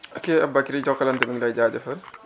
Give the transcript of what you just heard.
ok aboubacry Jokalante mi ngi lay jaajëfal